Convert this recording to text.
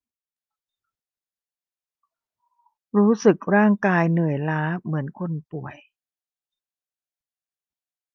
รู้สึกร่างกายเหนื่อยล้าเหมือนคนป่วย